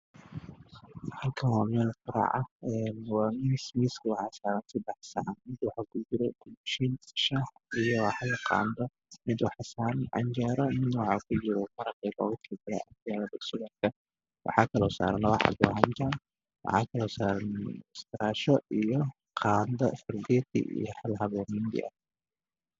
Meel waxaa yaalo si jaayad waxaa kor saaran qadooyin cadaan ah sidoo kale waxaa yaalla xanjo mastic